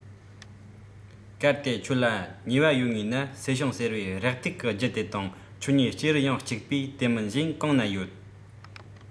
གལ ཏེ ཁྱོད ལ ཉེ བ ཡོད ངེས ན བསེ ཤིང ཟེར བའི རེག དུག གི རྒྱུ དེ དང ཁྱོད གཉིས སྐྱེ ཡུལ ཡང གཅིག པས དེ མིན གཞན གང ན ཡོད